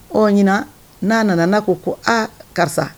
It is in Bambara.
Ɔ ɲin n'a nana n'a ko ko aa karisa